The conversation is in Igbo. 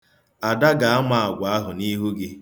Ada ga-ama agwa ahụ n'ihu gị.